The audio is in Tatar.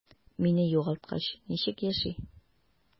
Мине югалткач, ничек яши?